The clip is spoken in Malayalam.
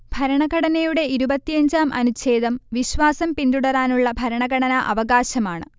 ഭരണഘടനയുടെ ഇരുപത്തിയഞ്ച-ാം അനുചേ്ഛദം വിശ്വാസം പിന്തുടരാനുള്ള ഭരണഘടനാ അവകാശമാണ്